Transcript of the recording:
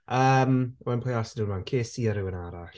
Yym wedyn pwy arall sy 'di dod mewn Casey a rhywun arall.